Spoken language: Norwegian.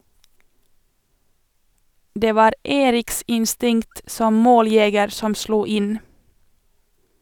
- Det var Eriks instinkt som måljeger som slo inn.